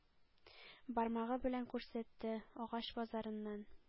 Бармагы белән күрсәтте,- агач базарыннан